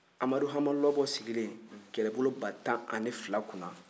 amadu hama lɔbɔ sigilen kɛlɛbolo ba tan ani fila kunna